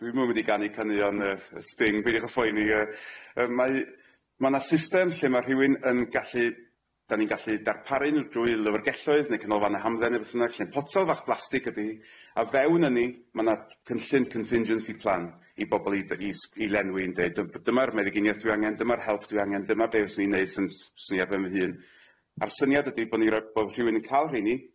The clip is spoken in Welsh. Dwi'm yn mynd i ganu canuon yy Sting beidiwch y phoeni yy yy mae ma' 'na system lle ma' rhywun yn gallu, 'dan ni'n gallu darparu nw drwy lyfrgelloedd ne' canolfane hamdden ne' beth bynnag lle'n potel fach blastig ydi a fewn yn'i ma' 'na cynllun contingency plan i bobol i d- i s- i lenwi yn deu' dyma'r meddyginieth dwi angen dyma'r help dwi angen dyma be' fyswn i'n neud s- s- 'swn i ar ben fy hun a'r syniad ydi bo ni ro- bo'rhywun yn ca'l rheini,